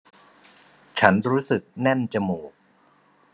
ฉันรู้สึกแน่นจมูก